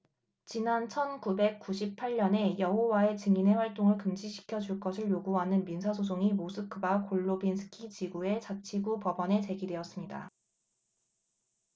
지난 천 구백 구십 팔 년에 여호와의 증인의 활동을 금지시켜 줄 것을 요구하는 민사 소송이 모스크바 골로빈스키 지구의 자치구 법원에 제기되었습니다